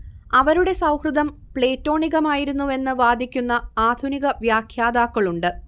അവരുടെ സൗഹൃദം പ്ലേറ്റോണികമായിരുന്നുവെന്ന് വാദിക്കുന്ന ആധുനിക വ്യാഖ്യാതാക്കളുണ്ട്